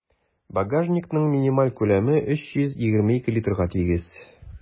Багажникның минималь күләме 322 литрга тигез.